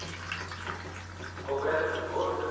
ko'kragimni to'ldirib